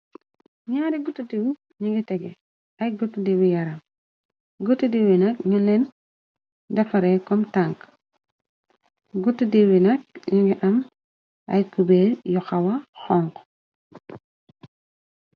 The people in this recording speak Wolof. Ñaari guttu diw ñingi tegeh ay guttu diwi yaram guttu diw yi nak ñing lèèn defare kom tank guttu diw yi nak ñingi am ay kuberr yu xawa xonxu .